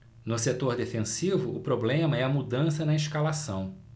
no setor defensivo o problema é a mudança na escalação